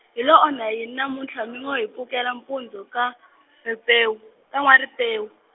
hi lo onha yini namutlha mi ngo hi pfukela mpundzu ka, Ripewu, ka N'wa-Ripewu?